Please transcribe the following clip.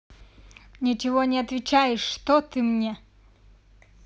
ничего не отвечаешь что ты мне